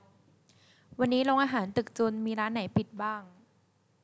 วันนี้โรงอาหารตึกจุลมีร้านไหนปิดบ้าง